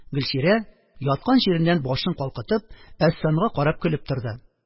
Гөлчирә, яткан җиреннән башын калкытып, Әсфанга карап көлеп торды: